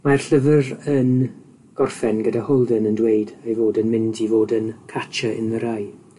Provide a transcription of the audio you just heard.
Mae'r llyfr yn gorffen, gyda Holden yn dweud ei fod yn mynd i fod yn Catcher in the Rye,